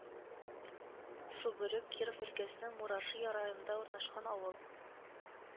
Шубрюг Киров өлкәсенең Мураши районында урнашкан авыл